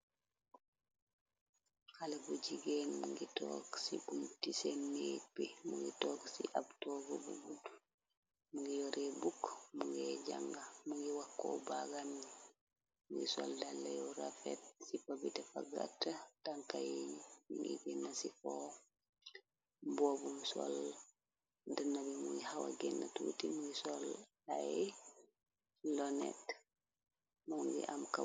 Xale bu jigeen mungi toog ci bumti seen neej bi mu ngi toog ci ab toob bu bu mu ngi loree bukk mu ngay jàng mu ngi wakoo baagam ni mngi sol dallayu rafet ci pa bitefa gat tanka yi mi ngi genn ci xoo mboobu sol dana bi muy xawa genn tuuti mungi sol ay lonet moo ngi am kab.